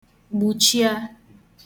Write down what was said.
gbùchia